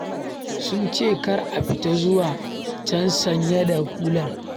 Sun ce, 'kar ka fita zuwa can sanye da hular.'